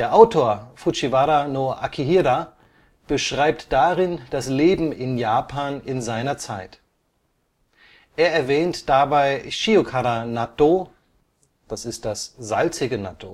Autor Fujiwara no Akihira beschreibt darin das Leben in Japan in seiner Zeit. Er erwähnt dabei Shiokara Nattō (塩辛納豆, deutsch: salziges Nattō